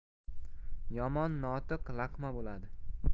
yomon notiq laqma bo'ladi